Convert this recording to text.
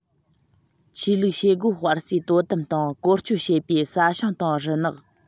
ཆོས ལུགས བྱེད སྒོ སྤེལ སས དོ དམ དང བཀོལ སྤྱོད བྱེད པའི ས ཞིང དང རི ནགས